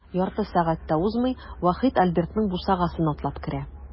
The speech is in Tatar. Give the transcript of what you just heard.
Ярты сәгать тә узмый, Вахит Альбертның бусагасын атлап керә.